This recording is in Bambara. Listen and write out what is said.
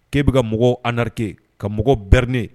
K'e bɛka ka mɔgɔw arnaquer ka mɔgɔw berner